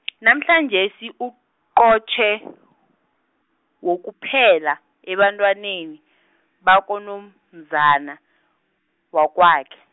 namhlanjesi uqotjhe , wokuphela, ebantwaneni, bakonomzana, wakwakhe.